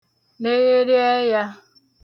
negherị ẹyā